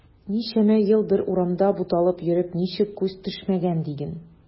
Ничәмә ел бер урамда буталып йөреп ничек күз төшмәгән диген.